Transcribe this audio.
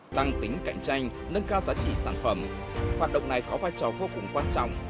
tăng tính cạnh tranh nâng cao giá trị sản phẩm hoạt động này có vai trò vô cùng quan trọng